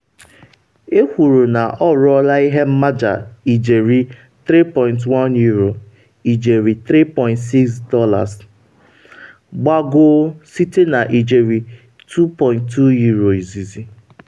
Ekwuru na oruola ihe mmaja ijeri €3.1 (ijeri $3.6) - gbagoo site na ijeri €2.2 izizi.